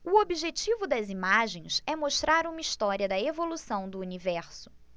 o objetivo das imagens é mostrar uma história da evolução do universo